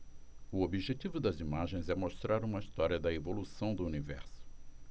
o objetivo das imagens é mostrar uma história da evolução do universo